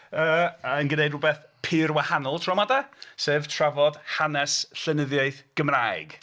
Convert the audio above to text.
Yy a'n gwneud rywbeth pur wahanol tro 'ma de, sef trafod hanes Llenyddiaeth Gymraeg.